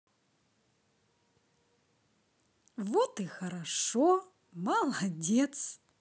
вот и хорошо молодец